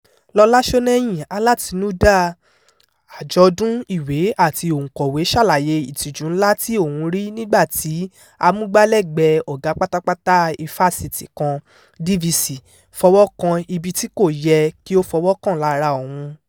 Lọlá Ṣónẹ́yìn, alátinúdáa àjọ̀dún ìwé àti òǹkọ̀wé, ṣàlàyé "ìtìjú ńlá" tí òhún rí nígbà tí amúgbálẹ́gbẹ̀ẹ́ ọ̀gá pátápátá ifásitì kan (DVC) fọwọ́ kan ibi tí kò yẹ kí ó fọwọ́ kàn lára òun: